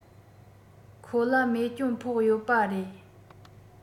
ཁོ ལ རྨས སྐྱོན ཕོག ཡོད པ རེད